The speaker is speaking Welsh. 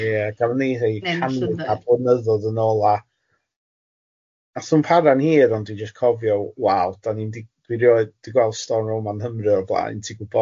Ie gafon ni rhei canu pa blynyddoedd yn ôl a, nath nhw'm para'n hir ond dwi jyst cofio waw dan ni'n d- dwi erioed wedi gweld storm fel'ma Nghymru o blaen ti'n gwybod?